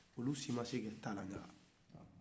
olu si ma se ka tasuma ɲaga